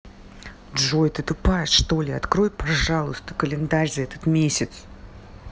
джой ты тупая что ли открой пожалуйста календарь за этот месяц